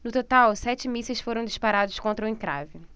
no total sete mísseis foram disparados contra o encrave